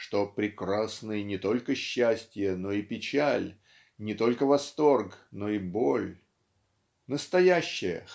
что "прекрасны не только счастье но и печаль не только восторг но и боль" настоящая